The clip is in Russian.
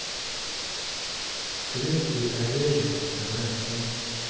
крепкий орешек вторая часть